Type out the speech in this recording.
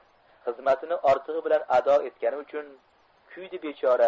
xizmatini ortig'i bilan ado etgani uchun kuydi bechora